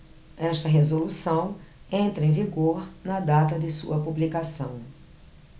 esta resolução entra em vigor na data de sua publicação